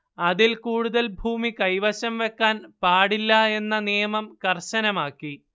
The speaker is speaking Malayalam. അതിൽ കൂടുതൽ ഭൂമി കൈവശം വെക്കാൻ പാടില്ല എന്ന നിയമം കർശനമാക്കി